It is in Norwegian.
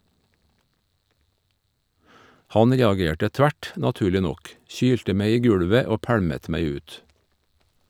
Han reagerte tvert, naturlig nok, kylte meg i gulvet og pælmet meg ut.